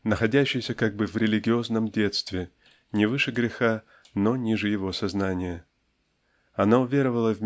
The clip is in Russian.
находящейся как бы в религиозном детстве не выше греха но ниже его сознания. Она уверовала